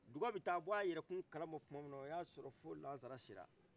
duga bɛ taa bɔ a yɛrɛkun kalaman tuma min na a y' a sɔrɔ fo lansara se la